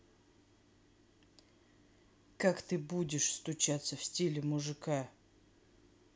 как ты будешь стучаться в стиле мужика